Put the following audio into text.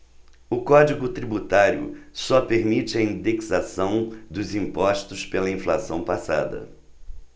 o código tributário só permite a indexação dos impostos pela inflação passada